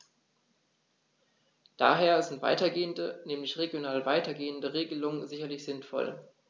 Daher sind weitergehende, nämlich regional weitergehende Regelungen sicherlich sinnvoll.